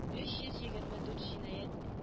Өч йөз егерме дурт җинаять